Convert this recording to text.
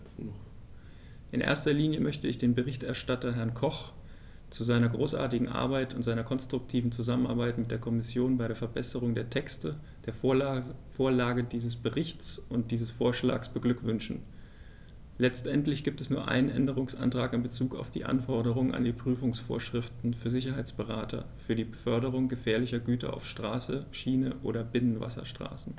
In erster Linie möchte ich den Berichterstatter, Herrn Koch, zu seiner großartigen Arbeit und seiner konstruktiven Zusammenarbeit mit der Kommission bei der Verbesserung der Texte, der Vorlage dieses Berichts und dieses Vorschlags beglückwünschen; letztendlich gibt es nur einen Änderungsantrag in bezug auf die Anforderungen an die Prüfungsvorschriften für Sicherheitsberater für die Beförderung gefährlicher Güter auf Straße, Schiene oder Binnenwasserstraßen.